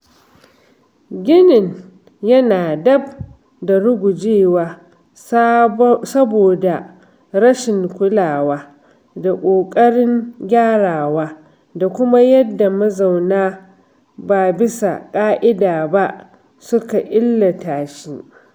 Ginin yana daf da rugujewa saboda rashin kulawa da ƙoƙarin gyarawa da kuma yadda mazauna ba bisa ƙa'ida ba suka illata shi.